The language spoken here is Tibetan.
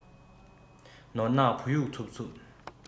ནོར ནག བུ ཡུག ཚུབ ཚུབ